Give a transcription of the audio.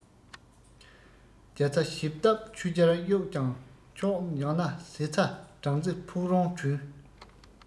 རྒྱ ཚྭ ཞིབ བཏགས ཆུར སྦྱར བྱུགས ཀྱང མཆོག ཡང ན ཟེ ཚྭ སྦྲང རྩི ཕུག རོན བྲུན